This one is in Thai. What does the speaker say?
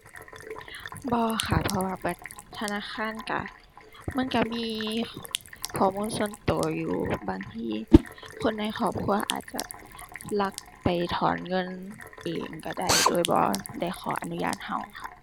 บ่ค่ะ เพราะว่าบัตรธนาคารก็มันก็มีข้อมูลส่วนก็อยู่ บางทีคนในครอบครัวอาจจะลักไปถอนเงินเองก็ได้โดยบ่ได้ขออนุญาตก็ค่ะ